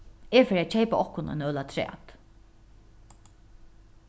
eg fari at keypa okkum eina øl afturat